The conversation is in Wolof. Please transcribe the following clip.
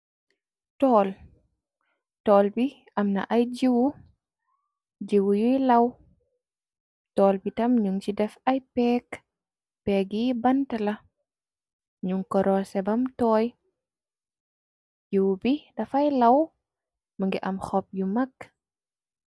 tool tool bi amna ay jiiwu jiiwu yuy law tool bitam nuŋ ci def ay peek peeg yiy bant la nu koroo se bam tooy jiwu bi dafay law mngi am xob yu mag.